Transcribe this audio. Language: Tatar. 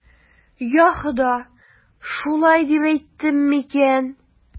Йа Хода, шулай дип әйттем микән?